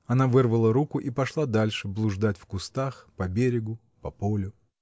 Она вырвала руку и пошла дальше блуждать в кустах, по берегу, по полю.